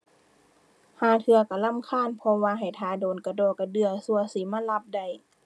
ห่าเทื่อก็รำคาญ เพราะว่าให้ท่าโดนกะด้อกะเดื้อ สั่วสิมารับได้